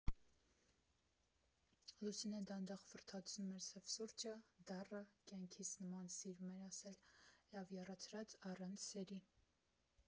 Լուսինեն դանդաղ ֆռթացնում էր սև սուրճը՝ դառը («կյանքիս նման»՝ սիրում էր ասել), լավ եռացրած՝ առանց սերի։